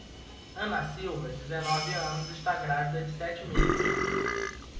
ana silva dezenove anos está grávida de sete meses